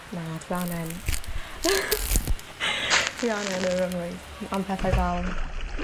Na dwi anen dwi anen y ryngrwyd am pethau fel